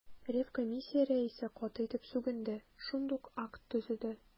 Ревкомиссия рәисе каты итеп сүгенде, шундук акт төзеде.